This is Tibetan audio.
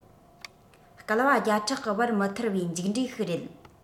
བསྐལ པ བརྒྱ ཕྲག གི བར མི ཐར བའི མཇུག འབྲས ཤིག རེད